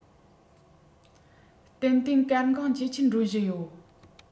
ཏན ཏན གལ འགངས ཇེ ཆེར འགྲོ བཞིན ཡོད